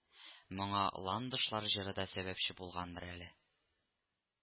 Моңа ландышлар җыры да сәбәпче булгандыр әле